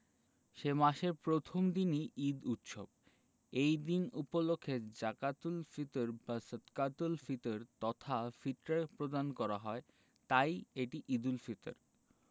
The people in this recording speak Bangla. সে মাসের প্রথম দিনই ঈদ উৎসব এই দিন উপলক্ষে জাকাতুল ফিতর বা সদকাতুল ফিতর তথা ফিতরা প্রদান করা হয় তাই এটি ঈদুল ফিতর